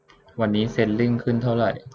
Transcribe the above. วันนี้เชนลิ้งขึ้นเท่าไหร่